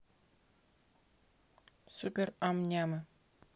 супер ам нямы